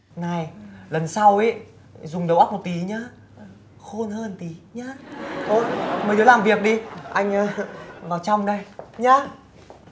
này lần sau ý dùng đầu óc một tí nha khôn hơn tí nhá thôi mấy đứa làm việc đi anh vào trong đây nhá